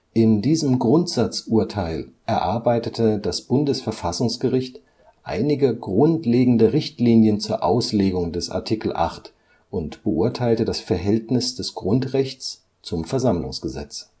In diesem Grundsatzurteil erarbeitete das Bundesverfassungsgericht einige grundlegende Richtlinien zur Auslegung des Artikel 8 und beurteilte das Verhältnis des Grundrechts zum Versammlungsgesetz